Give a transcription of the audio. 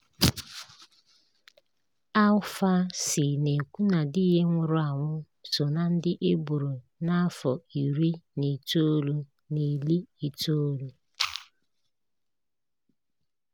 Alpha Sy na-ekwu na di ya nwụrụ anwụ so na ndị e gburu na 1990.